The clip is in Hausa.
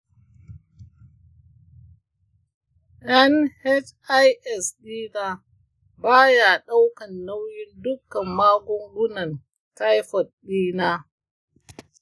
nhis dina ba ya daukan nauyin dukkan magungunan taifoid ɗina ba.